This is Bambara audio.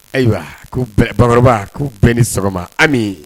Ayiwa ko bamakɔkɔrɔba k'u bɛn ni sɔgɔma ami